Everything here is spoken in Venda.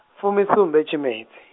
fumisumbe tshimedzi.